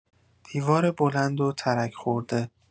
دیوار بلند و ترک‌خورده